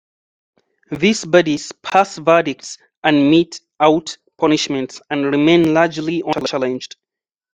These bodies pass verdicts and mete out punishments and remain largely unchallenged.